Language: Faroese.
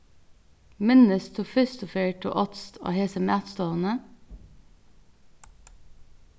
minnist tú fyrstu ferð tú átst á hesi matstovuni